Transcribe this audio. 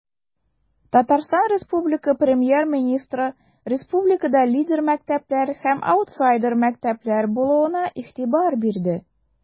ТР Премьер-министры республикада лидер мәктәпләр һәм аутсайдер мәктәпләр булуына игътибар бирде.